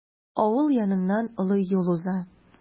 Авыл яныннан олы юл уза.